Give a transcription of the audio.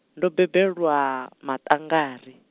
ndo bebelwa, Maṱangari.